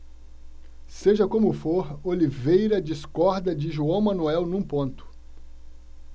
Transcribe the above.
seja como for oliveira discorda de joão manuel num ponto